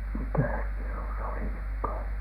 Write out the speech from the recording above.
mikäs piru se oli nyt kun